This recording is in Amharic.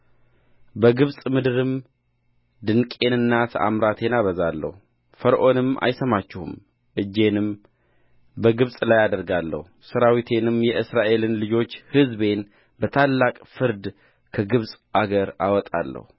በግብፅ ምድርም ድንቄንና ተአምራቴን አበዛለሁ ፈርዖንም አይሰማችሁም እጄንም በግብፅ ላይ አደርጋለሁ ሠራዊቴንም የእስራኤልን ልጆች ሕዝቤን በታላቅ ፍርድ ከግብፅ አገር አወጣለሁ